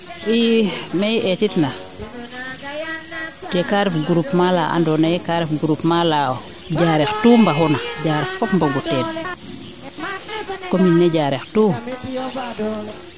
i mee i eetit na tiye kaa ref groupement laa ando naye kaa ref groupement laa Diarere tout mbaxuna Diarere fop mbogu teen commune ne Diarekh tout